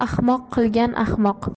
ahmoqni alimoq qilgan ahmoq